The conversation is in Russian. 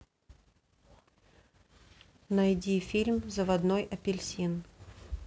найди фильм заводной апельсин